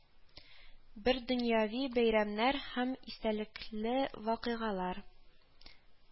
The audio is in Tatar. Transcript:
Бер дөньяви бәйрәмнәр һәм истәлекле вакыйгалар